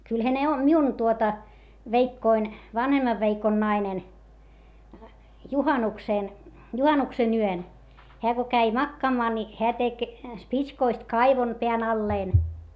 kyllähän ne on minun tuota veikkoni vanhemman veikon nainen juhannuksen juhannuksen yön hän kun kävi makaamaan niin hän teki spitskoista kaivon pään allensa